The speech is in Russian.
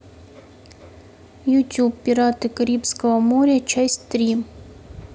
ютуб пираты карибского моря часть три